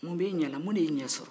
mun b'e ɲɛ la mun de y'e ɲɛ sɔrɔ